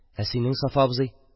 Ә синең, Сафа абзый?